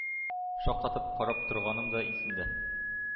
Шаккатып карап торганым да исемдә.